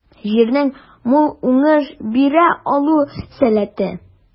Җирнең мул уңыш бирә алу сәләте.